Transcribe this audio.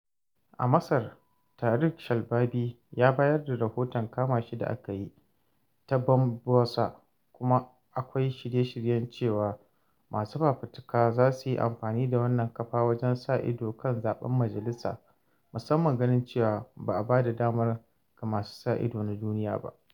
A Masar, Tarek Shalaby ya bayar da rahoton kama shi da aka yi ta Bambuser, kuma akwai shirye-shiryen cewa masu fafutuka zasu yi amfani da wannan kafa wajen sa ido kan zaɓen majalisar, musamman ganin cewa ba a ba da damar ga masu sa ido na duniya ba.